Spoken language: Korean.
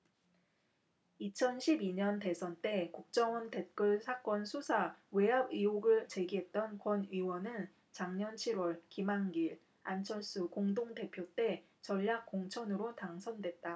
이천 십 이 년 대선 때 국정원 댓글 사건 수사 외압 의혹을 제기했던 권 의원은 작년 칠 월 김한길 안철수 공동대표 때 전략 공천으로 당선됐다